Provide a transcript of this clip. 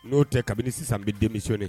N'o tɛ kabini sisan bɛ denmisɛnninmini